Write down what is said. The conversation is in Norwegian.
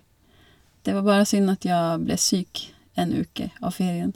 Det var bare synd at jeg ble syk en uke av ferien.